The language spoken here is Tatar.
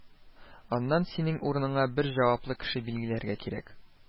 Аннан синең урыныңа бер җаваплы кеше билгеләргә кирәк